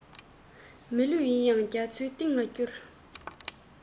མི ལུས ཡིན ཡང རྒྱ མཚོའི གཏིང ལ བསྐྱུར